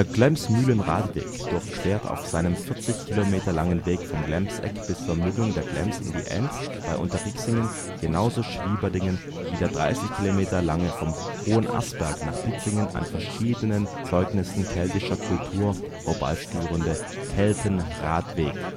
Glemsmühlenradweg durchquert auf seinem 40 km langen Weg vom Glemseck bis zur Mündung der Glems in die Enz bei Unterriexingen genauso Schwieberdingen wie der 30 km lange vom Hohenasperg nach Ditzingen an verschiedenen Zeugnissen keltischer Kultur vorbeiführende Keltenradweg